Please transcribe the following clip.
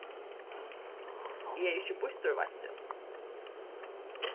eg eri ikki býttur veitst tú